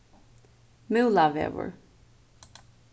múlavegur